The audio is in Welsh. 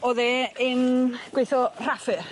O'dd e in gweitho rhaffe.